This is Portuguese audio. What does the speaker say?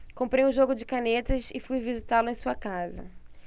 comprei um jogo de canetas e fui visitá-lo em sua casa